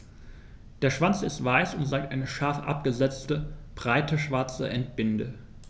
Der Schwanz ist weiß und zeigt eine scharf abgesetzte, breite schwarze Endbinde.